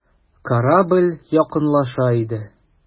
Корабль якынлаша иде.